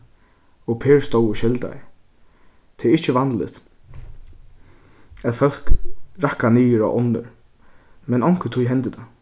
og per stóð og skeldaði tað er ikki vanligt at fólk rakka niður á onnur men onkuntíð hendir tað